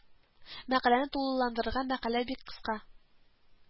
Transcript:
Мәкаләне тулыландырырга мәкалә бик кыска